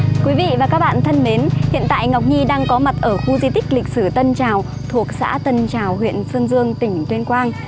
quý vị và các bạn thân mến hiện tại ngọc nhi đang có mặt ở khu di tích lịch sử tân trào thuộc xã tân trào huyện sơn dương tỉnh tuyên quang